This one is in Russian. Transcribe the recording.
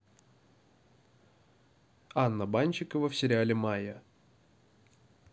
анна банщикова в сериале майя